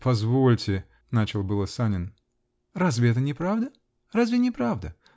-- Позвольте, -- начал было Санин. -- Разве это не правда? Разве не правда?